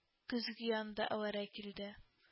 Көзге янында әвәрә килде